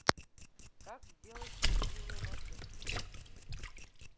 как сделать красивую машинку